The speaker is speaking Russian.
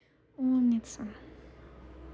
умница